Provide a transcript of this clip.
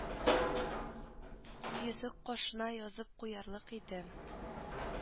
Йөзек кашына язып куярлык иде